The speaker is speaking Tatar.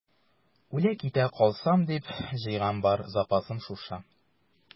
Үлә-китә калсам дип җыйган бар запасым шушы.